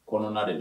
Kɔnɔnare